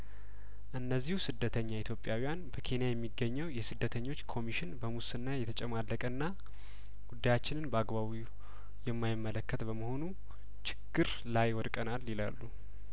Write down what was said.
እነዚሁ ስደተኛ ኢትዮጵያዊያን በኬንያ የሚገኘው የስደተኞች ኮሚሽን በሙስና የተጨማለቀና ጉዳያችንን በአግባብ የማይመለከት በመሆኑ ችግር ላይ ወድቀናል ይላሉ